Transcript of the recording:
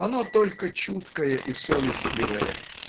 оно - только чуткое и совестливое.